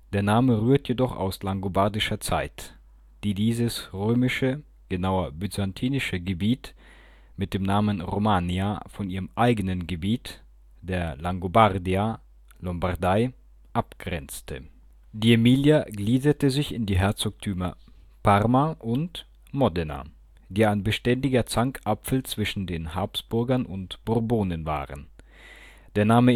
der Name rührt jedoch aus langobardischer Zeit, die dieses römische (genauer byzantinische) Gebiet mit dem Namen Romania von ihrem eigenen Gebiet, der Langobardia (Lombardei), abgrenzte. Die Emilia gliederte sich in die Herzogtümer Parma und Modena, die ein beständiger Zankapfel zwischen Habsburgern und Bourbonen waren. Der Name